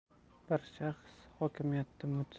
bir shaxs hokimiyatda muddatsiz